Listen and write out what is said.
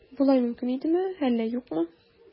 Болай мөмкин идеме, әллә юкмы?